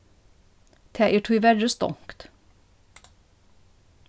tað er tíverri stongt